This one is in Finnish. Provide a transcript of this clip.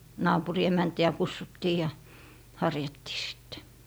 naapurin emäntiä kutsuttiin ja harjattiin sitten